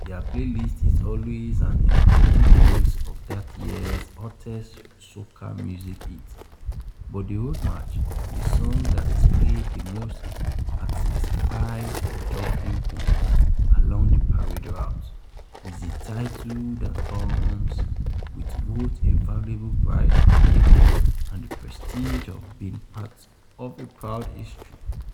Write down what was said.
Their playlist is always an energetic mix of that year's hottest soca music hits, but the Road March — the song that is played the most at specified judging points along the parade route — is a title that comes with both a valuable prize package and the prestige of being part of a proud history.